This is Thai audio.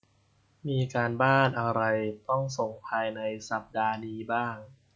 มีการบ้านอะไรต้องส่งภายในสัปดาห์นี้บ้าง